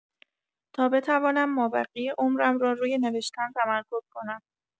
تا بتوانم مابقی عمرم را روی نوشتن تمرکز کنم.